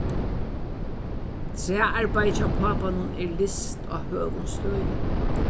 træarbeiðið hjá pápanum er list á høgum støði